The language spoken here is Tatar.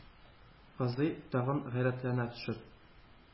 Казый, тагын гайрәтләнә төшеп: